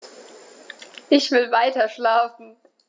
Ich will weiterschlafen.